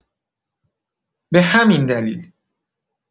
به همین دلیل